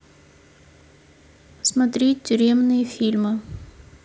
смотреть тюремные фильмы